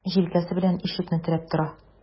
Җилкәсе белән ишекне терәп тора.